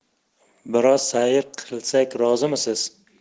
biroz sayr qilsak rozimisiz